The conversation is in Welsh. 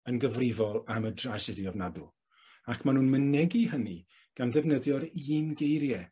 yn gyfrifol am y drasiedi ofnadw. Ac ma' nw'n mynegi hynny gan ddefnyddio'r un geirie.